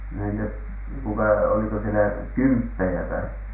no entäs kuka oliko siellä kymppejä tai